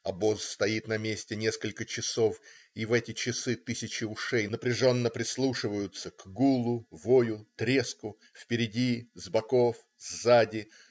Обоз стоит на месте несколько часов, и в эти часы тысячи ушей напряженно прислушиваются к гулу, вою, треску - впереди, с боков, сзади